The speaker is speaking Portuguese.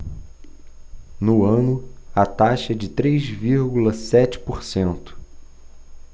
no ano a taxa é de três vírgula sete por cento